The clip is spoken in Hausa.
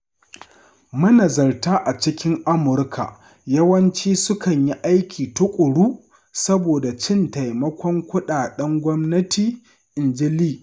Manazarta a cikin Amurka yawanci sukan yi aiki tuƙuru saboda cin taimakon kuɗaɗen gwamnati, inji Lee.